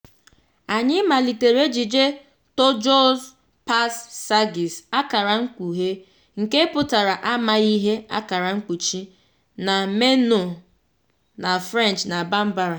Anyị malitere ejije Toujours Pas Sages (nke pụtara amaghị ihe) na Maneno, na French na Bambara.